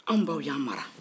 an baw y'an mara